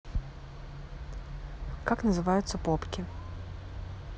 как называются попки